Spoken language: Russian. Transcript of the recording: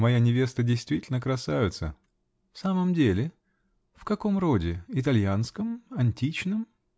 но моя невеста -- действительно красавица. -- В самом деле? В каком роде? итальянском? античном?